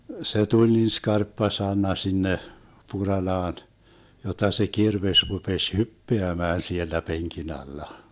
se tuli niin skarppa sana sinne Puralaan jotta se kirves rupesi hyppäämään siellä penkin alla